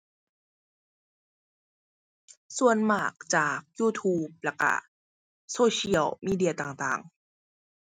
ส่วนมากจาก YouTube แล้วก็ social media ต่างต่าง